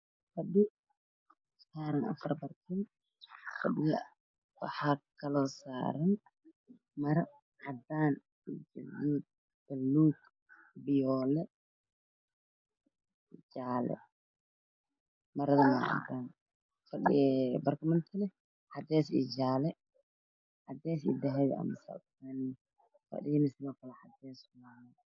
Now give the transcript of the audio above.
Meeshan waxaa yaalo fadhifkiisu yahay caddaan waxaa saaran afar bartiimood waxwi cadaan madow da waxaa ka ifaayo illeer